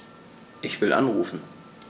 Ich will anrufen.